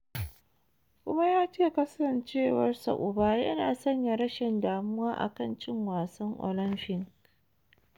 Kuma yace kasancewarsa uba ya sanya shi rashin damuwa akan cin wasan Olympics.